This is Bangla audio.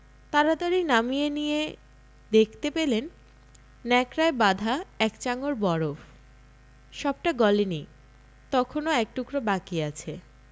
তাড়াতাড়ি নামিয়ে নিয়ে দেখতে পেলেন ন্যাকড়ায় বাঁধা এক চাঙড় বরফ সবটা গলেনি তখনও এক টুকরো বাকি আছে